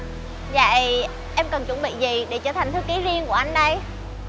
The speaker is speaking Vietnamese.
dạy em cần chuẩn bị gì để trở thành thư ký riêng của anh đây